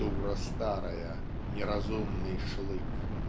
Дура старая, неразумный шлык!